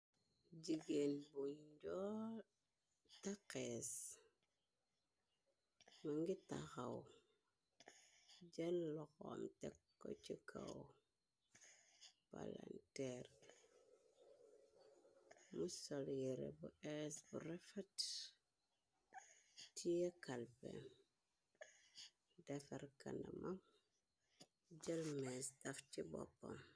Gigéen buy njool taxees ma ngi taxaw jël loxoom te ko ci kaw balanteer mu solyere bu ees bu refat tie kalpe defar kanama jëlmees daf ci boppam..